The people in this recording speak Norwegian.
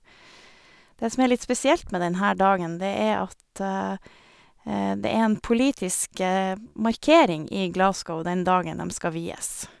Det som er litt spesielt med den her dagen, det er at det er en politisk markering i Glasgow den dagen dem skal vies.